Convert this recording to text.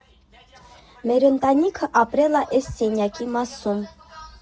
Մեր ընտանիքը ապրել ա էս սենյակի մասում։